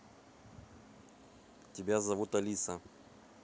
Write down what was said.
тебя зовут алиса